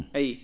a yiyii